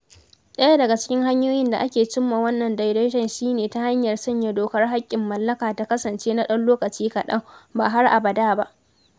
Ɗaya daga cikin hanyoyin da ake cimma wannan daidaiton shi ne ta hanyar sanya dokar haƙƙin mallaka ta kasance na ɗan lokaci kaɗan, ba har abada ba.